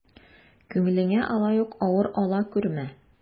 Күңелеңә алай ук авыр ала күрмә.